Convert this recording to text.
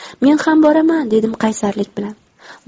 men ham boraman dedim qaysarlik bilan